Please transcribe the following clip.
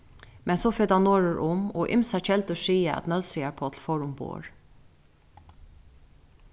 men so fer tað norður um og ymsar keldur siga at nólsoyar páll fór umborð